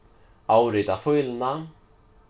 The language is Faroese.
avrita fíluna